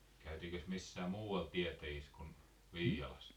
käytiinkös missään muualla tietäjissä kuin Viialassa